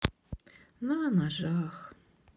на ножах